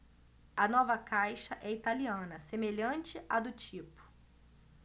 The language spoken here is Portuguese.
a nova caixa é italiana semelhante à do tipo